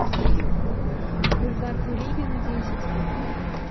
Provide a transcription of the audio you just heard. бульвар кулибина десять